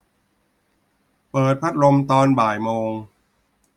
เปิดพัดลมตอนบ่ายโมง